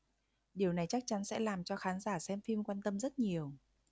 điều này chắc chắn sẽ làm cho khán giả xem phim quan tâm rất nhiều